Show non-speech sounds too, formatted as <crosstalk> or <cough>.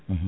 <hesitation> <hesitation>